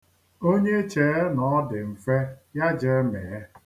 Onye chee na ọ dị mfe, ya jee mee.